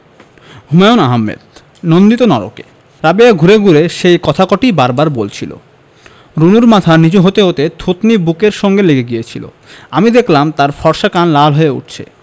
হুমায়ুন আহমেদ নন্দিত নরকে রাবেয়া ঘুরে ঘুরে সেই কথা কটিই বার বার বলছিলো রুনুর মাথা নীচু হতে হতে থুতনি বুকের সঙ্গে লেগে গিয়েছিলো আমি দেখলাম তার ফর্সা কান লাল হয়ে উঠছে